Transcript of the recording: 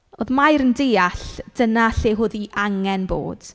Oedd Mair yn deall dyna lle oedd hi angen bod.